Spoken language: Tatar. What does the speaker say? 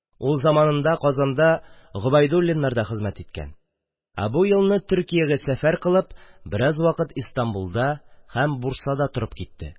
Ул заманында Казанда Гобәйдуллиннарда хезмәт иткән, ә бу елны Төркиягә сәфәр кылып, бераз вакыт Истанбулда һәм Бурсада торып китте.